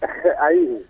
ayi